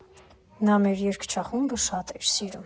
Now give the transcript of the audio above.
Նա մեր երգչախումբը շատ էր սիրում։